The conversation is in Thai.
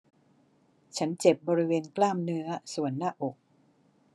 ฉันเจ็บบริเวณกล้ามเนื้อส่วนหน้าอก